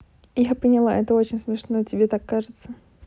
я поняла это очень смешно тебе так кажется